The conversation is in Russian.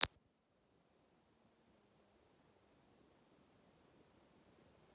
кого выпила вино что ли